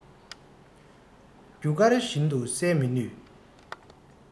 རྒྱུ སྐར བཞིན དུ གསལ མི ནུས